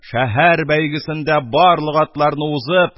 Шәһәр бәйгесендә барлык атларны узып,